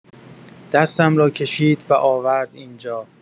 دستم را کشید و آورد این‌جا.